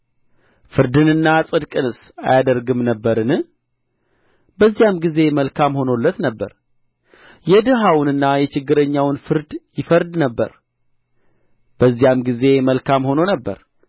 ፍርድንና ጽድቅንስ አያደርግም ነበርን በዚያም ጊዜ መልካም ሆኖለት ነበር የድሀውንና የችግረኛውን ፍርድ ይፈርድ ነበር በዚያም ጊዜ መልካም ሆኖ ነበር